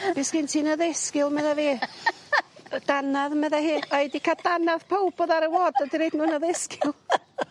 be' sgen ti yn y ddesgyl medda fi. Yy danadd medda hi o' 'i 'di ca'l dannadd powb odd ar y ward a 'di roid n'w yn y ddesgyl! .